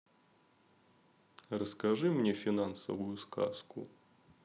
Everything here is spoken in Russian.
расскажи мне финансовую сказку